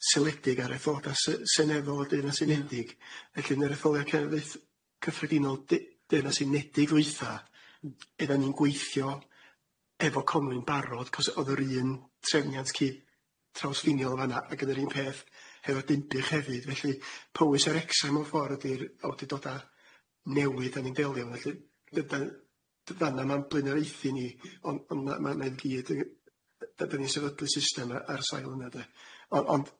seledig ar etholoda Se- Seneddol a deuna sy'n edig felly yn yr etholia cenedlaeth- cyffredinol di- deuna sy'n edig ddwytha ydan ni'n gweithio efo Conwy'n barod cos odd yr un trefniant cy- trawsffiniol yn fan'na ag yn yr un peth hefo Dinbych hefyd felly, Powys a Wrecsam mewn ffor ydi'r awdurdoda newydd a ni'n delio felly dy- dy- dy- fan'na ma'n blaenoreuthu ni on' on' na ma' na'i gyd yy yy yy yy ydyn ni'n sefydlu system ar sail yna de on' on'